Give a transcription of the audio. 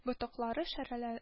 Ботаклары шәрәлә